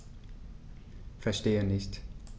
Verstehe nicht.